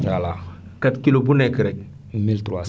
voilà 4 kilos bu nekk rek 1300